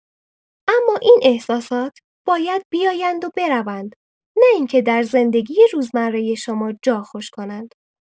اما این احساسات باید بیایند و بروند، نه اینکه در زندگی روزمره شما جا خوش کنند.